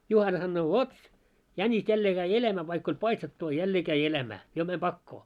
Juhana sanoo vot jänis jälleen kävi elämään vaikka oli paistettu a jälleen kävi elämää jo meni pakoon